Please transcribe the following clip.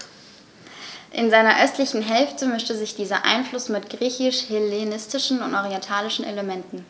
In seiner östlichen Hälfte mischte sich dieser Einfluss mit griechisch-hellenistischen und orientalischen Elementen.